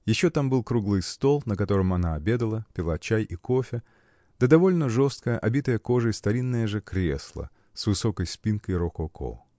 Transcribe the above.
Еще там был круглый стол, на котором она обедала, пила чай и кофе, да довольно жесткое, обитое кожей старинное же кресло с высокой спинкой рококо.